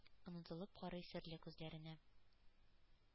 Онытылып карый серле күзләренә.